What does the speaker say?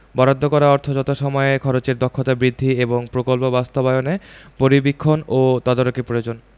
বরাদ্দ করা অর্থ যথাসময়ে খরচের দক্ষতা বৃদ্ধি এবং প্রকল্প বাস্তবায়নে পরিবীক্ষণ ও তদারকি প্রয়োজন